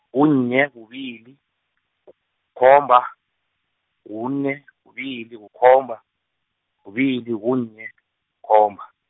kunye, kubili , khomba, kune , kubili, kukhomba, kubili, kunye , kukhomba.